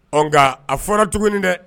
Nka a fɔra tuguni di dɛ